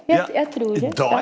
ja, jeg tror det ja.